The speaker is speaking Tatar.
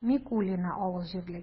Микулино авыл җирлеге